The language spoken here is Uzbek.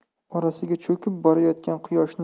orasiga cho'kib borayotgan quyoshni